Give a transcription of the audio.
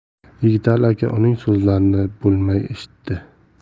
yigitali aka uning so'zlarini bo'lmay eshitdi